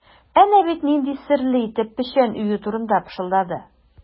Әнә бит нинди серле итеп печән өю турында пышылдады.